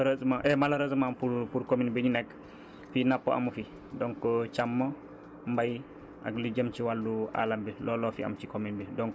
heureusement et malheureusement pour pour commune bi ñu nekk fii napp amu fi donc càmm mbay ak li jëm ci wàllu alam bi looloo fi am ci commune bi